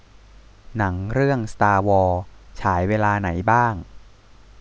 หนังเรื่องสตาร์วอร์ฉายเวลาไหนบ้าง